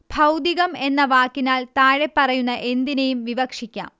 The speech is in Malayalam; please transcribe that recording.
ഭൗതികം എന്ന വാക്കിനാൽ താഴെപ്പറയുന്ന എന്തിനേയും വിവക്ഷിക്കാം